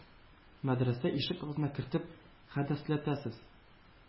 Мәдрәсә ишек алдына кертеп хәдәсләтәсез?